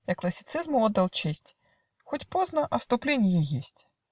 Я классицизму отдал честь: Хоть поздно, а вступленье есть.